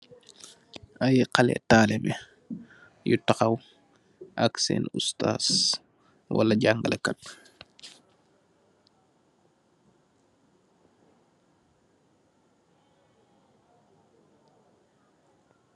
Ay haleh talibeh yu tahaw ak senn oustas wala jangalehkat